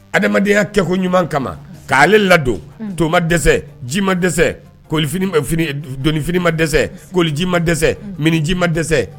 Adamadenya kɛko ɲuman kama. ka ale ladon to ma dɛsɛ ji ma dɛsɛ dɔnnifini ma dɛsɛ koliji ma dɛsɛ mini ji ma dɛsɛ.